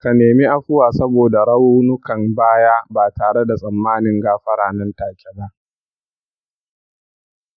ka nemi afuwa saboda raunukan baya ba tare da tsammanin gafara nan take ba.